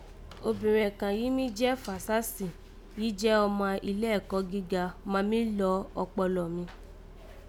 Obìnrẹn kàn yìí mí jẹ́ Fàsásí, yii jẹ́ ọma ilé ẹ̀kọ́ gíga, máa mí lọ ọkpọlọ mi